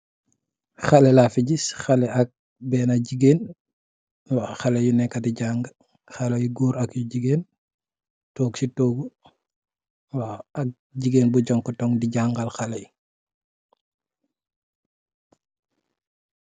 Xalé laa fi gis, xalé ak beenë jigéen. Xale yi neek di jaangë. Xale yu Goor ak jigéen. Toog si toogu, ak jigéen bu jonkan di jañgale